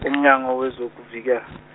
uMnyango wezokuvikela.